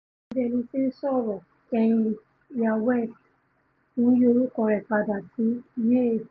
Akọrinbíẹnití-ńsọ̀rọ̀ Kanye West ń yí orúkọ rẹ̀ padà - sí Ye.